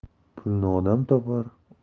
pulni odam topar